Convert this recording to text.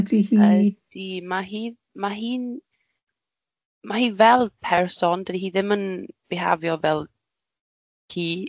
Ydi, ma' hi ma' hi'n ma' hi fel person, dydi hi ddim yn bihafio fel ci.